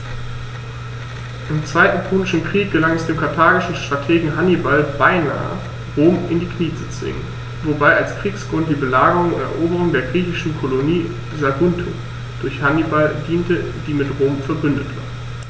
Im Zweiten Punischen Krieg gelang es dem karthagischen Strategen Hannibal beinahe, Rom in die Knie zu zwingen, wobei als Kriegsgrund die Belagerung und Eroberung der griechischen Kolonie Saguntum durch Hannibal diente, die mit Rom „verbündet“ war.